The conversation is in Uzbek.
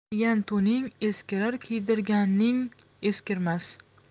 kiygan to'ning eskirar kiydirganing eskirmas